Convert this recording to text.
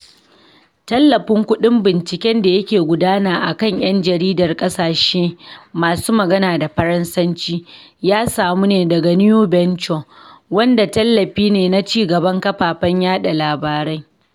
Tallafin kuɗin binciken da yake gudana a kan 'yan jaridar ƙasashe masu magana da Faransanci ya samu ne daga New Venture, wanda tallafi ne na ci gaban kafafen yaɗa labarai.